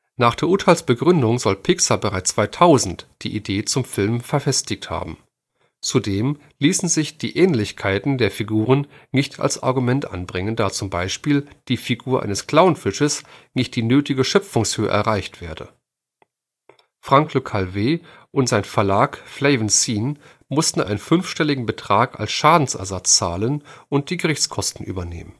Nach der Urteilsbegründung soll Pixar bereits 2000 die Idee zum Film verfestigt haben. Zudem ließen sich die Ähnlichkeiten der Figuren nicht als Argument anbringen, da z. B. bei der Figur eines Clownfisches nicht die nötige Schöpfungshöhe erreicht werde. Franck Le Calvez und sein Verlag Flaven Scene mussten einen fünfstelligen Betrag als Schadensersatz zahlen und die Gerichtskosten übernehmen